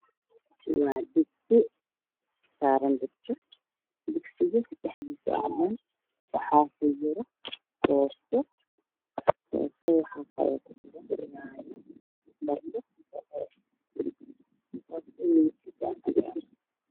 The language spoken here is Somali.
Waa dugsi daf saaran waxaa lagu karinayaa costo midabkoodu yahay madow qaadda ayaa ku jirto